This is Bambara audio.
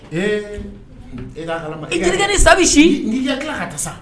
Ee e'a ala e terikɛ ni sa si n ka taa sa